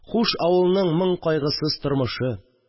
Хуш, авылның моң-кайгысыз тормышы